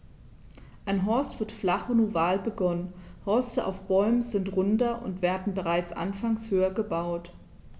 Ein Horst wird flach und oval begonnen, Horste auf Bäumen sind runder und werden bereits anfangs höher gebaut.